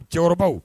Cɛkɔrɔba